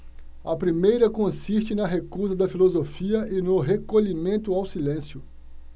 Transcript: a primeira consiste na recusa da filosofia e no recolhimento ao silêncio